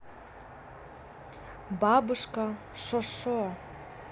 бабушка шошо